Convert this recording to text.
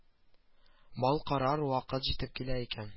Мал карар вакыт җитеп килә икән